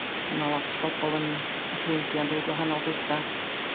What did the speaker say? Ma' 'na lot o bobol yn ma' ffrindia'n deud gwahanol betha